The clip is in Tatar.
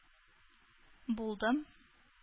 Булдым